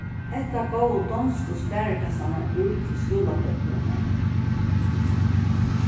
hetta góvu donsku sparikassarnar út til skúlabørnini